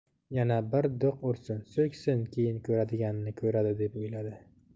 yana bir do'q ursin so'ksin keyin ko'radiganini ko'radi deb o'yladi